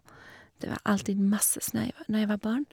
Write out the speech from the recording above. Det var alltid masse snø jeg var når jeg var barn.